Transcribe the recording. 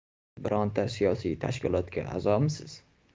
siz biror siyosiy tashkilotga a'zomisiz